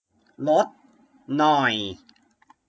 ลดหน่อย